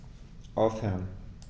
Aufhören.